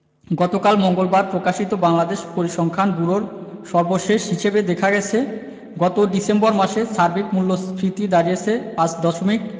গতকাল মঙ্গলবার প্রকাশিত বাংলাদেশ পরিসংখ্যান ব্যুরোর সর্বশেষ হিসাবে দেখা গেছে গত ডিসেম্বর মাসে সার্বিক মূল্যস্ফীতি দাঁড়িয়েছে ৫ দশমিক